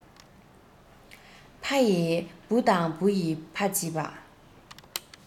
ཕ ཡིས བུ དང བུ ཡིས ཕ བྱེད པ